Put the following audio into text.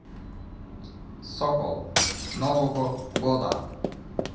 sokol нового года